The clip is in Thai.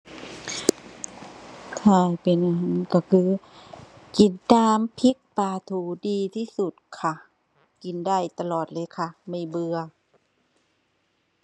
ถ้าเป็นอาหารก็คือ กินแต่น้ำพริกปลาทูดีที่สุดค่ะ กินได้ตลอดเลยค่ะไม่เบื่อ